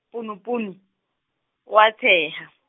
ponopono, wa tsheha.